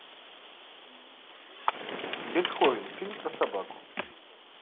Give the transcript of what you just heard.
бетховен фильм про собаку